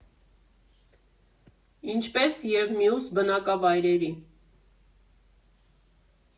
Ինչպես և մյուս բնակավայրերի։